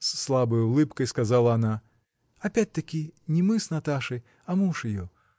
— с слабой улыбкой сказала она, — опять-таки не мы с Наташей, а муж ее.